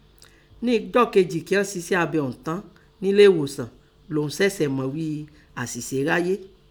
Níjọ́ kejì kín ọ́n sẹsẹ́ abẹ ọ̀ún tán nẹlé ẹ̀wòsàn ọ̀ún ṣẹ̀ṣẹ̀ mọ̀ ghíi àsìse háyé.